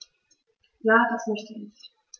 Ja, das möchte ich.